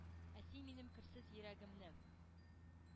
Ә син минем керсез йөрәгемне